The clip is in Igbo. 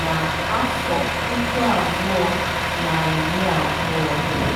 na 2020.